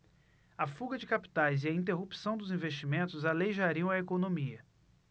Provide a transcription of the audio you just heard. a fuga de capitais e a interrupção dos investimentos aleijariam a economia